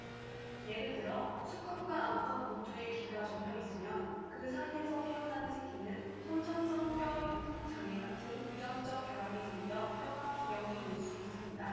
예를 들어 수컷과 암컷 모두의 귀가 접혀 있으면 그 사이에서 태어나는 새끼는 선천성 뼈 형성 장애 같은 유전적 결함이 생겨 뼈가 기형이 될 수 있습니다